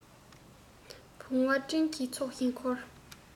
བུང བ སྤྲིན གྱི ཚོགས བཞིན འཁོར